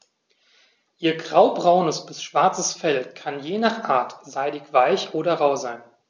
Ihr graubraunes bis schwarzes Fell kann je nach Art seidig-weich oder rau sein.